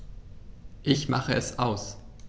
Ich mache es aus.